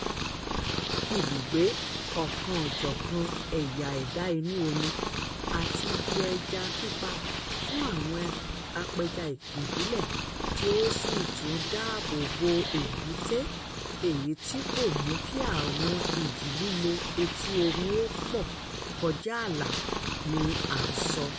Ibùgbé ọ̀kan-òjọ̀kan ẹ̀yà ẹ̀dá inú omi (àti ibi ẹja pípa fún àwọn apẹja ìbílẹ̀), tí ó sì tún ń dá ààbò bo èbúté, èyí tí kò mú kí àwọn ìjì líle etí omi ó pọ̀ kọjá àlà ni à ń sọ.